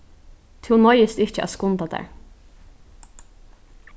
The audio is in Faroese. tú noyðist ikki at skunda tær